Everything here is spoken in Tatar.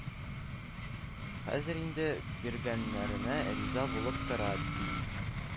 Хәзер инде биргәннәренә риза булып тора, ди